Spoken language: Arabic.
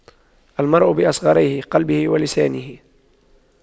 المرء بأصغريه قلبه ولسانه